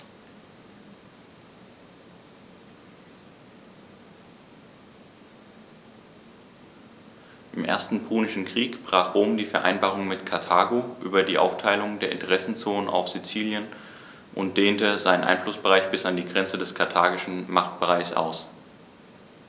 Im Ersten Punischen Krieg brach Rom die Vereinbarung mit Karthago über die Aufteilung der Interessenzonen auf Sizilien und dehnte seinen Einflussbereich bis an die Grenze des karthagischen Machtbereichs aus.